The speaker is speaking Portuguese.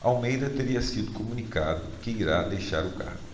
almeida teria sido comunicado que irá deixar o cargo